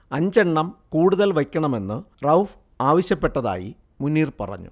അഞ്ചെണ്ണം കൂടുതൽ വയ്ക്കണമെന്ന് റഊഫ് ആവശ്യപ്പെട്ടതായി മുനീർ പറഞ്ഞു